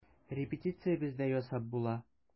Репетиция бездә ясап була.